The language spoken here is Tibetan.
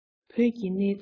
བོད ཀྱི གནས ཚུལ